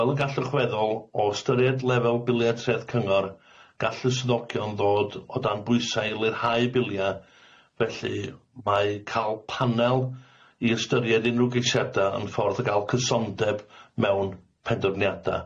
Fel y gallwch feddwl o ystyried lefel bilia' treth cyngor gall y swyddogion ddod o dan bwysa' i lirhau bilia' felly mae ca'l panel i ystyried unrhyw geisiada yn ffordd o ga'l cysondeb mewn penderfyniada.